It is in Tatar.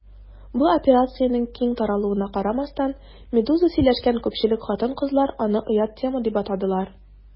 Бу операциянең киң таралуына карамастан, «Медуза» сөйләшкән күпчелек хатын-кызлар аны «оят тема» дип атадылар.